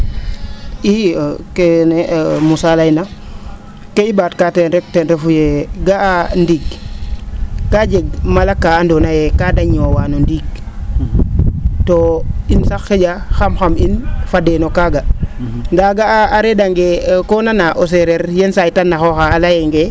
ii keene Moussa layna kee um ?aat kaa teen rek ten refu yee ga'aa ndiig kaa jeg mala kaa andoona yee kaa de ñoowaa no ndiig to in sax xa?a xam-xam in fadee no kaaga ndaa nga'aa re?'angee koo nana o seereer yeen saay te naxoona a leyang ee